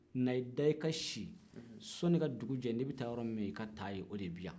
na i da i ka si sanni ka dugu jɛ ni bɛ taa yɔrɔ min e ka taa yen o de bɛ yan